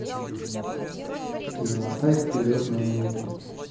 перемотай вперед на минуту